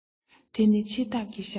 དེ ནི འཆི བདག གི ཞགས པ ལྟ བུ